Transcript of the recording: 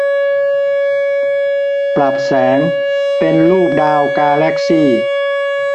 ปรับแสงเป็นรูปดาวกาแลกซี่